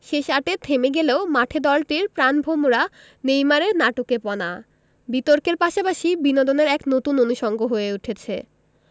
শেষ আটে থেমে গেলেও মাঠে দলটির প্রাণভোমরা নেইমারের নাটুকেপনা বিতর্কের পাশাপাশি বিনোদনের এক নতুন অনুষঙ্গ হয়ে উঠেছে